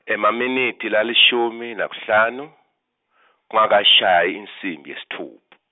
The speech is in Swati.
Emaminitsi lalishumi nakuhlanu kungekashayi insimbi yesitfuph-.